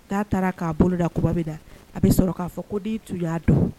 N'a taara k'a boloda bɛ la a bɛ sɔrɔ k'a fɔ ko den tun y'a dɔn